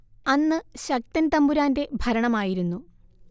അന്ന് ശക്തൻ തമ്പുരാന്റെ ഭരണമായിരുന്നു